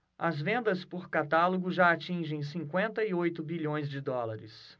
as vendas por catálogo já atingem cinquenta e oito bilhões de dólares